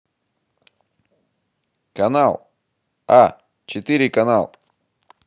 канал а четыре канал